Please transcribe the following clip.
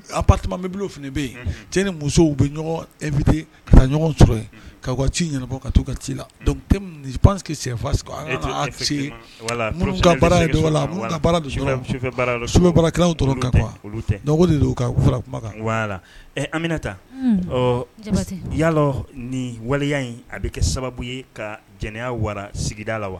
A patobili fini bɛ yen cɛ ni musow bɛ ɲɔgɔn ep ka ɲɔgɔn sɔrɔ yen ka ci ɲɛnabɔ ka taa ka ci la sɛfa baara baara tora ka de fara kuma ka la anmina taa yalalɔ ni waleya in a bɛ kɛ sababu ye ka jɛnɛya wara sigida la wa